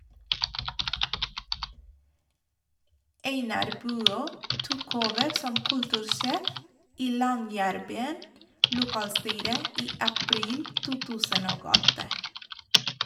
Einar Buø tok over som kultursjef i Longyearbyen lokalstyre i april 2008.